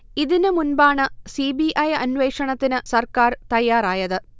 ഇതിന് മുമ്പാണ് C B I അന്വേഷണത്തിന് സർക്കാർ തയ്യാറായത്